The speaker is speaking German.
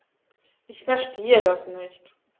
Ich verstehe das nicht.